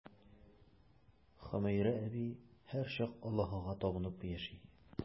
Хөмәйрә әби һәрчак Аллаһыга табынып яши.